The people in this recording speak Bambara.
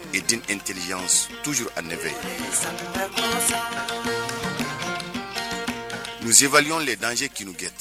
I den e teliya tuur a ne fɛ yen muze vy de dan ki kɛ